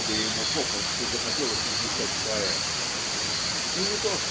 чтобы ему попросту захотелось написать . поэмы и не то